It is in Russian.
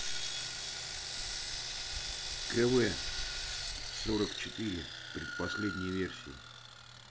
кв сорок четыре предпоследней версии